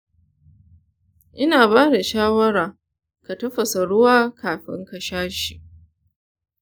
ina ba da shawara ka tafasa ruwan kafin ka sha shi.